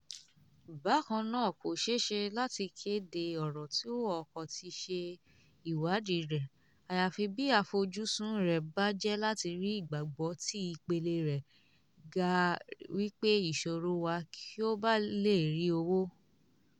Bákan náà kò ṣeé ṣe láti kéde ọ̀rọ̀ tí wọn kò tíì ṣe ìwádìí rẹ̀, àyàfi bí àfojúsùn rẹ bá jẹ́ láti rí ìgbàgbọ́ tí ìpele rẹ̀ ga wí pé ìṣòro wa kí ó bàa lè rí owó.